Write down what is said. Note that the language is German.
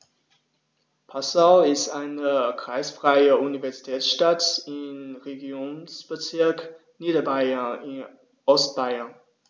Passau ist eine kreisfreie Universitätsstadt im Regierungsbezirk Niederbayern in Ostbayern.